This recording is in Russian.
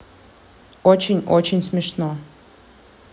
очень очень смешно